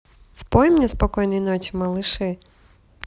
спой мне спокойной ночи малыши